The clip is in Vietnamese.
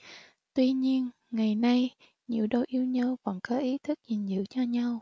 tuy nhiên ngày nay nhiều đôi yêu nhau vẫn có ý thức gìn giữ cho nhau